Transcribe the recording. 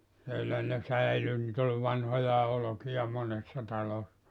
siellä ne säilyi niitä oli vanhojakin olkia monessa talossa